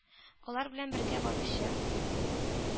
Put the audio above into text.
Алар белән бергә баручы